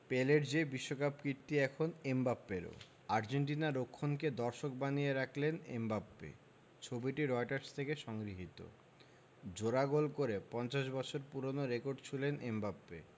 পেলের যে বিশ্বকাপ কীর্তি এখন এমবাপ্পেরও আর্জেন্টিনার রক্ষণকে দর্শক বানিয়ে রাখলেন এমবাপ্পে ছবিটি রয়টার্স থেকে সংগৃহীত জোড়া গোল করে ৫০ বছর পুরোনো রেকর্ড ছুঁলেন এমবাপ্পে